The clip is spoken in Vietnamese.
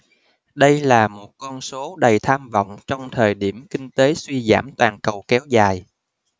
đây là một con số đầy tham vọng trong thời điểm kinh tế suy giảm toàn cầu kéo dài